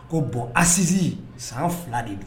A ko bɔn asisi san fila de don